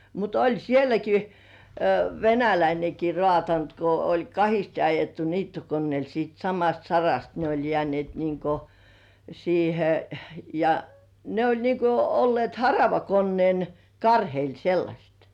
mutta oli sielläkin venäläinenkin raatanut kun oli kahdesti ajettu niittokoneella sitten samasta sarasta ne oli jääneet niin kuin siihen ja ne oli niin kuin olleet haravakoneen karheilla sellaiset